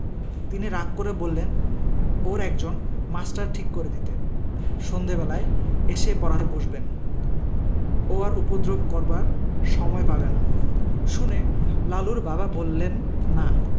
চলতেন তিনি রাগ করে বললেন ওর একজন মাস্টার ঠিক করে দিতে সন্ধ্যেবেলায় এসে পড়াী বসবেন ও আর উপদ্রব করবার সময় পাবে না শুনে লালুর বাবা বললেন না